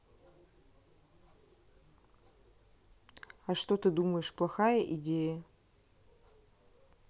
а что ты думаешь плохая идея